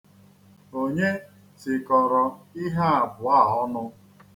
Onye tikọrọ ihe abụọ a ọnụ?